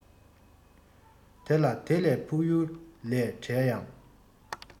དེ ལ དེ ལས ཕུགས ཡུལ ལས འབྲས ཡང